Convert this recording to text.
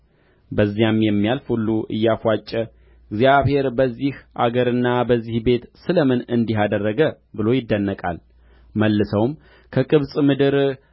በዚያም የሚያልፍ ሁሉ እያፍዋጨ እግዚአብሔር በዚህ አገርና በዚህ ቤት ስለምን እንዲህ አደረገ ብሎ ይደነቃል መልሰውም ከግብጽ ምድር